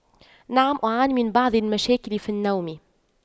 نعم أعاني من بعض المشاكل في النوم